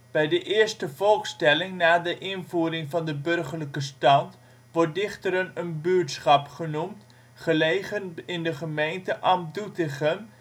Bij de eerste volkstelling na de invoering van de Burgerlijke Stand wordt Dichteren een buurtschap genoemd, gelegen in de gemeente Ambt Doetinchem